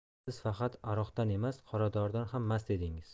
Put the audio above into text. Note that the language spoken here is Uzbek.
siz faqat aroqdan emas qoradoridan ham mast edingiz